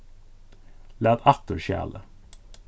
lat aftur skjalið